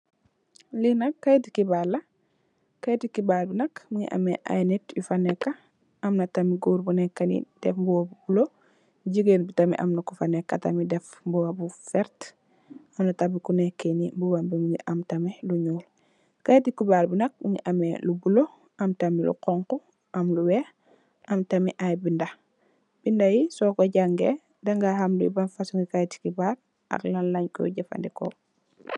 Li kayeti xebarla kayeti xebar bi nak amna nit yu faneka amna tamit Goor bufa neka def mbuba bu bula jigen tamit amna bufaneka mugi def mbuba bu wert am tamit kuneke ni mugi am tame kayeti xebar bi nak mugi ame lu bula am tamit lu xonxu am lu wex kayeti xebar bi nak so ko jange di nga xam noko jafadiko